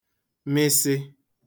mịsị